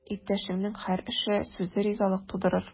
Иптәшеңнең һәр эше, сүзе ризалык тудырыр.